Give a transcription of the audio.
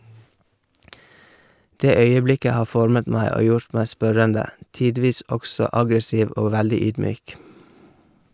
Det øyeblikket har formet meg og gjort meg spørrende, tidvis også aggressiv og veldig ydmyk.